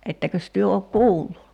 ettekös te ole kuullut